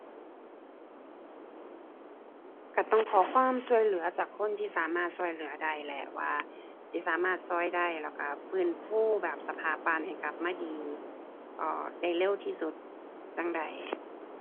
ก็ต้องขอความก็เหลือจากคนที่สามารถก็เหลือได้แหละ ว่าสิสามารถก็ได้แล้วก็ฟื้นฟูแบบสภาพบ้านให้กลับมาดี อ่า ได้เร็วที่สุดจั่งใด